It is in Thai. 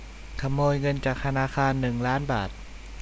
ขโมยเงินจากธนาคารหนึ่งล้านบาท